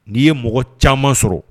N'i ye mɔgɔ caman sɔrɔ